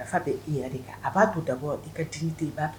Nafa bɛɛ i yɛrɛ de kan a b'a to d'abord i ka dignité i b'a